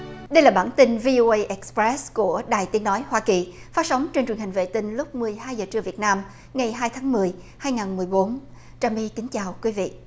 đây là bản tin vi ô ây ếch rét của đài tiếng nói hoa kỳ phát sóng trên truyền hình vệ tinh lúc mười hai giờ trưa việt nam ngày hai tháng mười hai ngàn mười bốn trà my kính chào quý vị